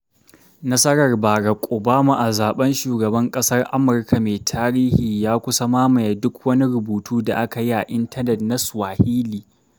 Nasarar Barack Obama a zaɓen Shugaban ƙasar Amurka mai tarihi ya kusan mamaye duk wani rubutu da aka yi a intanet na Swahili.